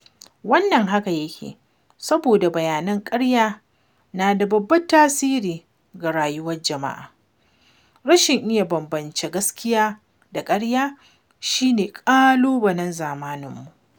Wannan haka yake saboda bayanan ƙarya na da babban tasiri ga rayuwar jama'a; rashin iya bambance gaskiya da ƙarya shi ne ƙalubalen zamaninmu.